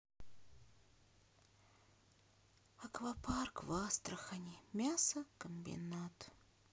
аквапарк в астрахани мясокомбинат